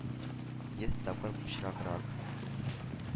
Йөз тапкыр пычраграк.